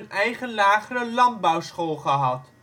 eigen lagere landbouwschool gehad